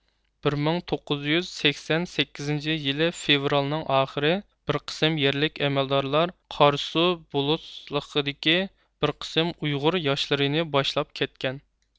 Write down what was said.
بىر مىڭ توققۇز يۈز سەكسەن سەككىزىنچى يىلى فىۋرالنىڭ ئاخىرى بىر قىسىم يەرلىك ئەمەلدارلار قارسۇ بولۇسلىقىدىكى بىر قىسىم ئۇيغۇر ياشلىرىنى باشلاپ كەتكەن